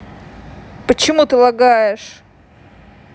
почему ты лагаешь